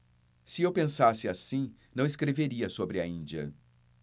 se eu pensasse assim não escreveria sobre a índia